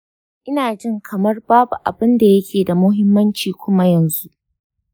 ina jin kamar babu abin da yake da muhimmanci kuma yanzu.